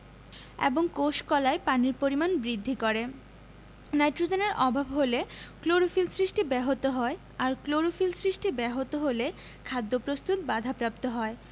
এবং কোষ কলায় পানির পরিমাণ বৃদ্ধি করে নাইট্রোজেনের অভাব হলে ক্লোরোফিল সৃষ্টি ব্যাহত হয় আর ক্লোরোফিল সৃষ্টি ব্যাহত হলে খাদ্য প্রস্তুত বাধাপ্রাপ্ত হয়